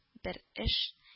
Бер эш